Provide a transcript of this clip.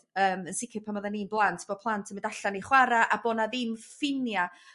Yym yn sicir pan oddan ni'n blant bod plant yn mynd allan i chwara a bo' 'na ddim ffinia